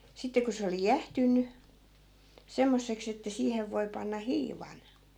sitten kun se oli jäähtynyt semmoiseksi että siihen voi panna hiivan